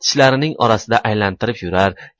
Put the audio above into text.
tishlarining orasida aylantirib yurar